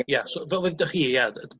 Ia so fel wedoch chi ia d- yy